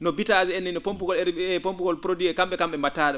no bitage en ni no pompe pugol her pompe pugol produit kam?e kam ?e mba?ataa ?um